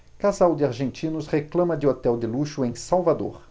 casal de argentinos reclama de hotel de luxo em salvador